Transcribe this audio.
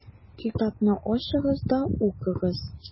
Китапны ачыгыз да укыгыз: